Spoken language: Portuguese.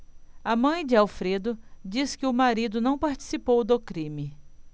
a mãe de alfredo diz que o marido não participou do crime